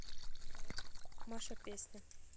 маша песня